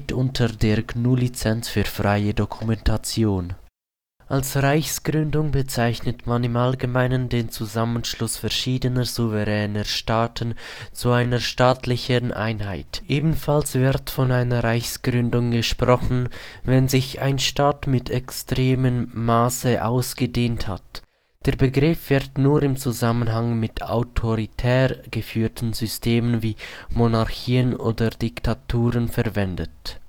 unter der GNU Lizenz für freie Dokumentation. Anton von Werner: Proklamation Kaiser Wilhelms I. (Gründung des Deutschen Reichs) am 18. Januar 1871 im Spiegelsaal von Versailles Als Reichsgründung bezeichnet man im Allgemeinen den Zusammenschluss verschiedener souveräner Staaten zu einer staatlichen Einheit. Ebenfalls wird von einer Reichsgründung gesprochen, wenn sich ein Staat in extremem Maße ausgedehnt hat. Der Begriff wird nur im Zusammenhang mit autoritär geführten Systemen wie Monarchien oder Diktaturen verwendet